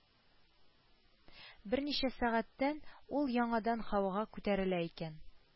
Берничә сәгатьтән ул яңадан һавага күтәрелә икән